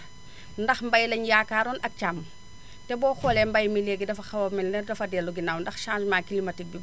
ndax mbay lañ yaakaaroon ak càmm te boo xoolee mbay mi léegi dafa xaw a mel ne dafa dellu ginnaaw ndax changement climatique bi